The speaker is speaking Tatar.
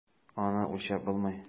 Аны үлчәп булмый.